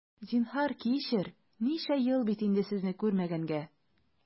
Зинһар, кичер, ничә ел бит инде сезне күрмәгәнгә!